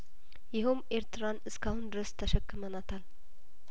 ይኸውም ኤርትራን እስከአሁን ድረስ ተሸክመናታል